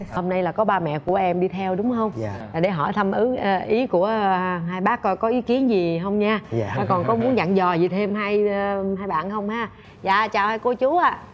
hôm nay là có ba mẹ của em đi theo đúng hông là để hỏi thăm ứ ý của hai bác coi có ý kiến gì hông nha rồi còn có muốn dặn dò gì thêm hai hai bạn hông ha dạ chào hai cô chú ạ